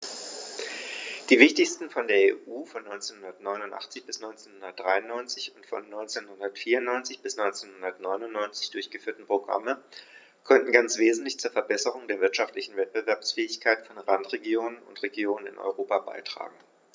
Die wichtigsten von der EU von 1989 bis 1993 und von 1994 bis 1999 durchgeführten Programme konnten ganz wesentlich zur Verbesserung der wirtschaftlichen Wettbewerbsfähigkeit von Randregionen und Regionen in Europa beitragen.